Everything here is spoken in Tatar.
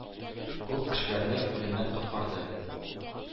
Күп кешеләрне үлемнән коткарды.